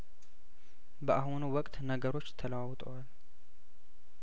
በአሁኑ ወቅት ነገሮች ተለዋውጠዋል